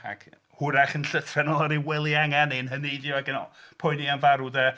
Ac hwyrach yn llythrennol ar ei wely angau neu'n heneiddio ac yn poeni am farw 'de